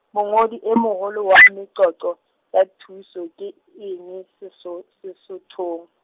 mongodi e moholo wa meqoqo, ya thuiso ke ene Seso-, Sesothong.